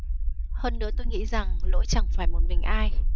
hơn nữa tôi nghĩ rằng lỗi chẳng phải một mình ai